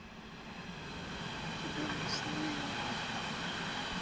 хрен с ними